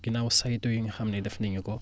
ginnaaw saytu yi nga xam ne def nañu ko